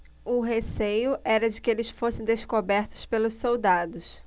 o receio era de que eles fossem descobertos pelos soldados